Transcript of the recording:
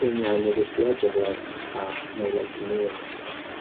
ffilmiau megisThe Edge of Love a My Life in Ruins.